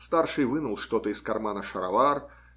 Старший вынул что-то из кармана шаровар